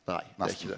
nei det er ikkje det.